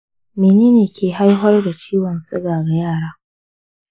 mene ne ke haifar da ciwon suga ga yara?